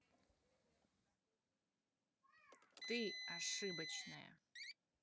ты ошибочная